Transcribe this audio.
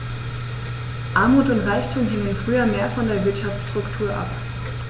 Armut und Reichtum hingen früher mehr von der Wirtschaftsstruktur ab.